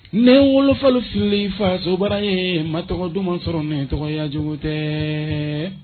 Ne n wolofafi fasobara ye ma tɔgɔ duman sɔrɔ n tɔgɔya jo tɛ